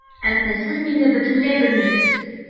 Ә менә сез мине бөтенләй белмисез.